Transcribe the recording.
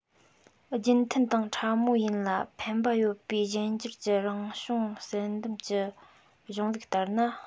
རྒྱུན མཐུད དང ཕྲ མོ ཡིན ལ ཕན པ ཡོད པའི གཞན འགྱུར གྱི རང བྱུང བསལ འདེམས ཀྱི གཞུང ལུགས ལྟར ན